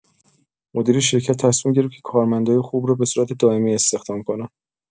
مدیر شرکت تصمیم گرفت که کارمندای خوب رو به صورت دائمی استخدام کنه.